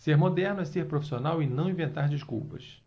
ser moderno é ser profissional e não inventar desculpas